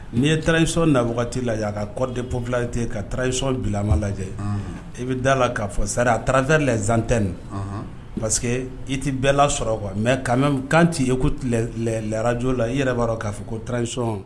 N'i ye tarawelec na wagati la' ka kɔ de ppfili ten ka tarawele ic bila ama lajɛ i bɛ da la kaa fɔ sari ad la zante parce que i tɛ bɛɛ lasɔrɔ qu mɛ kan ci e ku larajo la i yɛrɛ b'a dɔn k'a fɔ ko taraweleyic